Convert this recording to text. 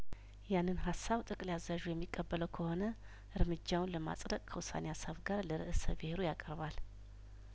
ያንን ሀሳብ ጠቅላይ አዛዡ የሚቀበለው ከሆነ እርምጃውን ለማጽደቅ ከውሳኔ ሀሳብ ጋር ለርእሰ ብሄሩ ያቀርባል